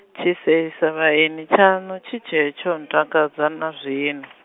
tshiseisavhaeni tshaṋu tshi tshe tsho ntakadza na zwino.